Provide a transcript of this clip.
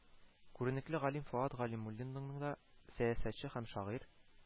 Күренекле галим фоат галимуллинның да, сәясәтче һәм шагыйрь